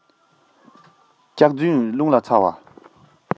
སྐྱག རྫུན རླུང ལས ཚ བ